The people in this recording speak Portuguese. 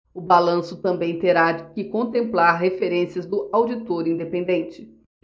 o balanço também terá que contemplar referências do auditor independente